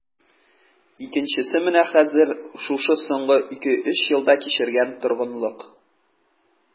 Икенчесе менә хәзер, шушы соңгы ике-өч елда кичергән торгынлык...